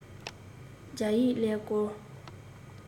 རྒྱ ཡིག ཀླད ཀོར